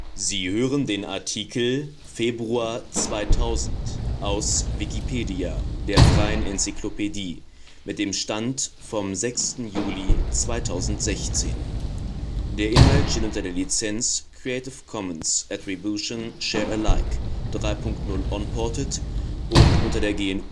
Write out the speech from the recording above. Sie hören den Artikel Februar 2000, aus Wikipedia, der freien Enzyklopädie. Mit dem Stand vom Der Inhalt steht unter der Lizenz Creative Commons Attribution Share Alike 3 Punkt 0 Unported und unter der GNU